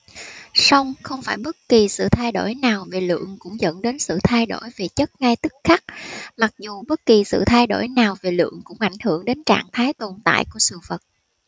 song không phải bất kỳ sự thay đổi nào về lượng cũng dẫn đến sự thay đổi về chất ngay tức khắc mặc dù bất kỳ sự thay đổi nào về lượng cũng ảnh hưởng đến trạng thái tồn tại của sự vật